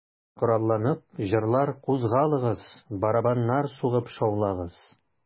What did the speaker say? Коралланып, җырлар, кузгалыгыз, Барабаннар сугып шаулагыз...